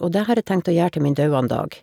Og det har jeg tenkt å gjøre til min dauan dag.